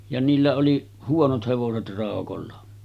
ja niillä oli huonot hevoset raukoilla